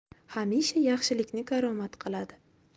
hamisha yaxshilikni karomat qiladi